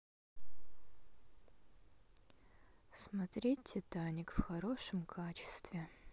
смотреть титаник в хорошем качестве